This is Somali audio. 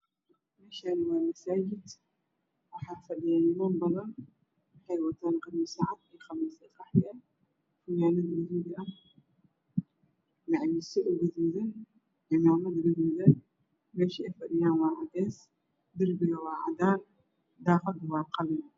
Meeshaan waa masaajid waxaa fadhiyo niman badan waxay wataan qamiisyo cad iyo qamiisyo qaxwi ah cimaamad madow ah macawisyo gaduud iyo cimaamad gaduudan meesha ay fadhiyaan waa cadeys darbigana waa cadaan daaqaduna waa qalin.